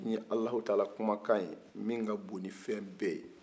ni alahu taala kumanankan ye min ka bon ni fɛn bɛ ye